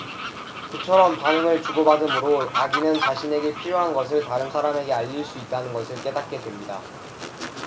그처럼 반응을 주고받음으로 아기는 자신에게 필요한 것을 다른 사람들에게 알릴 수 있다는 것을 깨닫게 됩니다